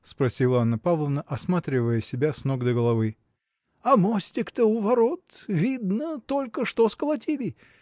– спросила Анна Павловна, осматривая себя с ног до головы. – А мостик-то у ворот! видно, только что сколотили?